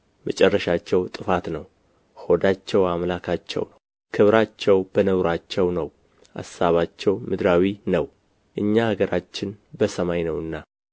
መጨረሻቸው ጥፋት ነው ሆዳቸው አምላካቸው ነው ክብራቸው በነውራቸው ነው አሳባቸው ምድራዊ ነው እኛ አገራችን በሰማይ ነውና